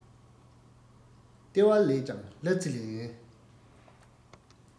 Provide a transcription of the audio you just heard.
ལྟེ བ ལས ཀྱང གླ རྩི ལེན